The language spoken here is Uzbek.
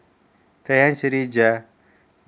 tayanch reja